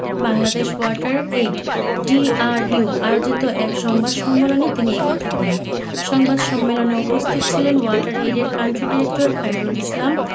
Bangladesh water aid DRU আয়োজিত এক সংবাদ সম্মেলন এ তিনি এ কথা বলেন সংবাদ সম্মেলনে উপস্থিত ছিলেন ওয়াটার এইডের কান্ট্রি ডিরেক্টর খায়রুল ইসলাম